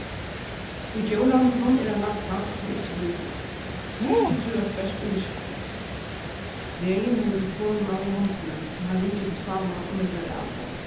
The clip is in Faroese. í djórahandlinum er ein lampa sum ikki lýsir kettur trívast bert í myrkri regin hevur telefonina í hondini tá hann ringir til sámal og meldar avboð